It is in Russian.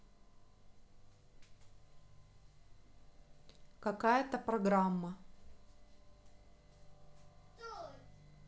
какая то программа